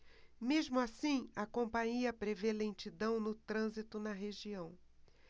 mesmo assim a companhia prevê lentidão no trânsito na região